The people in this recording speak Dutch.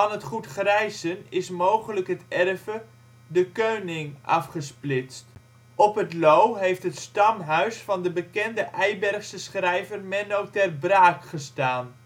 het goed Grijsen is mogelijk het erve " De Könning " afgesplitst. Op het Loo heeft het stamhuis van de bekende Eibergse schrijver Menno ter Braak gestaan